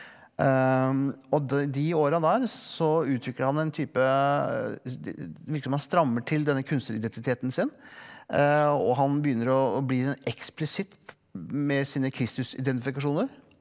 og det de åra der så utvikler han en type det virker som han strammer til denne kunstneridentiteten sin og han begynner å bli sånn eksplisitt med sine Kristusidentifikasjoner.